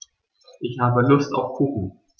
Ich habe Lust auf Kuchen.